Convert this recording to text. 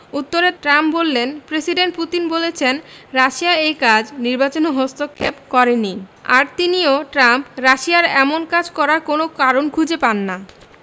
উত্তরে ট্রাম্প বললেন president Putin বলেছেন রাশিয়া এই কাজ নির্বাচনে হস্তক্ষেপ করেনি আর তিনিও ট্রাম্প রাশিয়ার এমন কাজ করার কোনো কারণ খুঁজে পান না